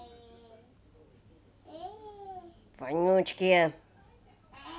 вонючки